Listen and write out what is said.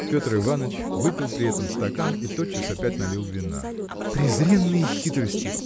Петр Иваныч выпил при этом стакан и тотчас опять налил вина. – Презренные хитрости!